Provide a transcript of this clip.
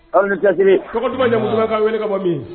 Aw ni jate tɔgɔtumajamu bɛ ka wele ka bɔ min